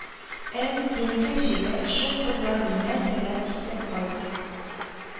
Ем, диңгез җиле, шул кызга миннән сәлам илтеп кайт